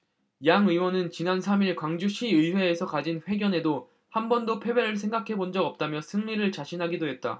양 위원은 지난 삼 일 광주시의회에서 가진 회견에서 한번도 패배를 생각해 본 적 없다며 승리를 자신하기도 했다